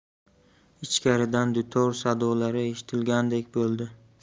ichkaridan dutor sadolari eshitilgandek bo'ldi